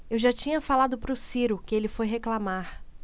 eu já tinha falado pro ciro que ele foi reclamar